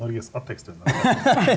Norges artigste .